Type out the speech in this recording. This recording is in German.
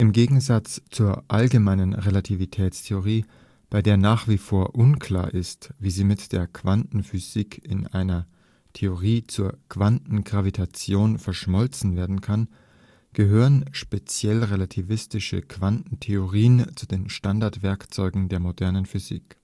Gegensatz zur allgemeinen Relativitätstheorie, bei der nach wie vor unklar ist, wie sie mit der Quantenphysik zu einer Theorie der Quantengravitation verschmolzen werden kann, gehören speziell-relativistische Quantentheorien zu den Standardwerkzeugen der modernen Physik